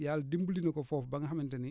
yàlla dimbali na ko foofuba nga xamante ni